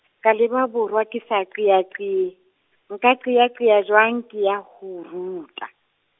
ka leba borwa ke sa qeaqee, Nka qeaqea jwang ke ya ho o ruta?